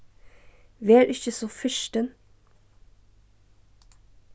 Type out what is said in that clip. ver ikki so firtin